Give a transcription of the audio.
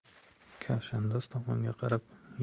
kavshandoz tomonga qarab